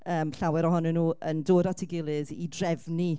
Yym... llawer ohonyn nhw yn dod at ei gilydd i drefnu